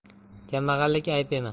kambag'allik ayb emas